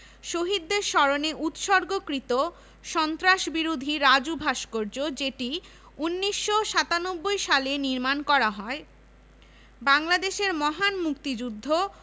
শহীদদের স্মরণে উৎসর্গকৃত সন্ত্রাসবিরোধী রাজু ভাস্কর্য যেটি১৯৯৭ সালে নির্মাণ করা হয় বাংলাদেশের মহান মুক্তিযুদ্ধ